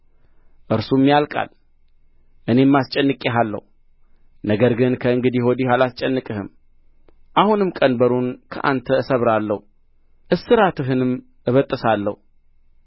እርሱም ያልቃል እኔም አስጨንቄሃለሁ ነገር ግን ከእንግዲህ ወዲህ አላስጨንቅህም አሁንም ቀንበሩን ከአንተ እሰብራለሁ እስራትህንም እበጥሳለሁ